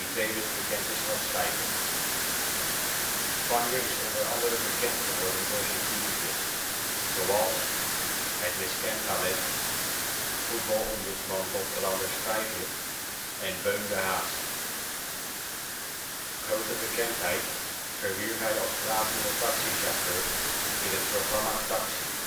tevens bekend is als schrijver. Spanjer is onder andere bekend geworden door zijn typetjes, zoals: ' Het Miskend Talent ', voetbalombudsman ' Drs. Vijfje ' en ' Beun de Haas '. Grote bekendheid verwierf hij als pratende taxichauffeur in het programma Taxi